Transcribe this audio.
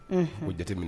U jate minɛ